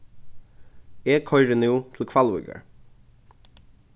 eg koyri nú til hvalvíkar